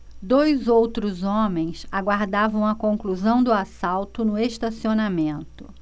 dois outros homens aguardavam a conclusão do assalto no estacionamento